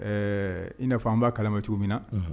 Ɛɛ i n'a fɔ an b'a kalama cogo min na